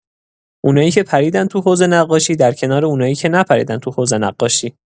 اونایی که پریدن تو حوض نقاشی در کنار اونایی که نپریدن تو حوض نقاشی